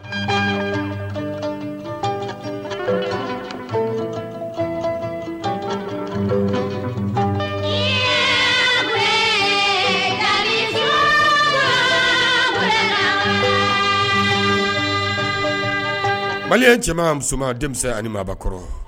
Mali cɛman musoman denmisɛn ani maa kɔrɔ